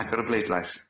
Agor y bleidlais.